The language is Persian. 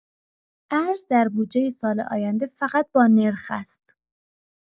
ارز در بودجه سال آینده فقط با نرخ است.